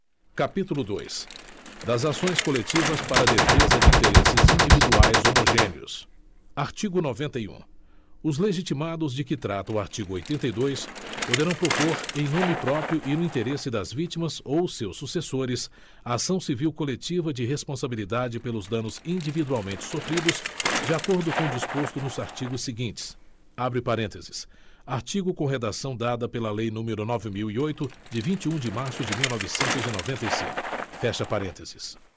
capítulo dois das ações coletivas para a defesa de interesses individuais homogêneos artigo noventa e um os legitimados de que trata o artigo oitenta e dois poderão propor em nome próprio e no interesse das vítimas ou seus sucessores ação civil coletiva de responsabilidade pelos danos individualmente sofridos de acordo com o disposto nos artigos seguintes abre parênteses artigo com redação dada pela lei número nove mil e oito de vinte e um de março de mil novecentos e noventa e cinco fecha parênteses